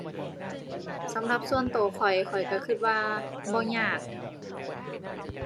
สำหรับส่วนตัวข้อยข้อยตัวตัวว่าบ่ยาก